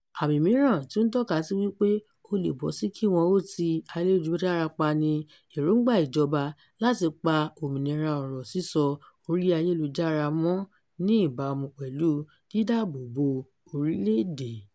Àmì mìíràn tí ó ń tọ́ka sí wípé ó lè bọ́ sí kí wọn ó ti ayélujára pa ni èròńgbà ìjọba láti pa òmìnira ọ̀rọ̀ sísọ orí ayélujára mọ́n ní ìbámu pẹ̀lú dídáàbobo orílẹ̀-èdè.